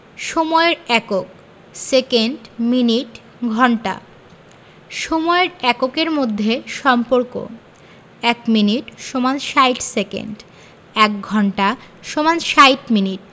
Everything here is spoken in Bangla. সময়ের এককঃ সেকেন্ড মিনিট ঘন্টা সময়ের এককের মধ্যে সম্পর্কঃ ১ মিনিট = ৬০ সেকেন্ড ১ঘন্টা = ৬০ মিনিট